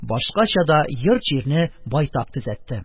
Башкача да йорт-җирне байтак төзәтте.